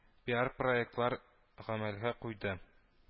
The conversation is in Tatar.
Пиар проектлар гамәлгә куйды